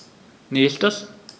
Nächstes.